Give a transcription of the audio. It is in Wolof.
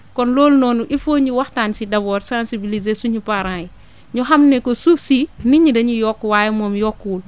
kon loolu noonu il faut ñu waxtaan si d' abord sensibiliser suñu parent yi ñu xam ne que suuf si nit ñi dañuy yokk waaye moom yokkuwul